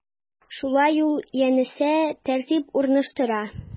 Шулай ул, янәсе, тәртип урнаштыра.